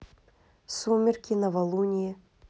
сумерки новолуние